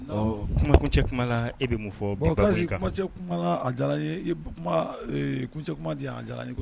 Ɔ kumakuncɛ kumancɛ kuma la e bɛ mun fɔ? Bon Gas ,Kumakuncɛ kuma la a diyara n ye. I ye kumakunncɛ kuma di yan, a diyara n ye!